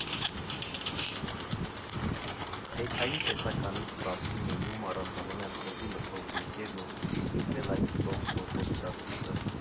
Սթեյքային տեսականիից բացի մենյուում առանձնանում են խոզի մսով բուրգերն ու տրյուֆելային սոուսով ոսկրածուծը։